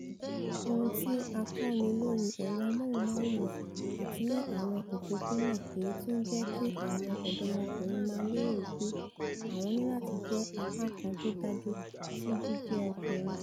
Ohun tí a kọ́ni lóri ẹrọ ámóhὺnmáwòran, àti ní àwọn òpópóna, èyití ó ńjẹ́ kí àwọn ọ̀dọ́mọkùnrin máa lérò wí pé àwọn níláti jẹ́ apá kan tódájú ti jíjẹ́ ọkùnrin?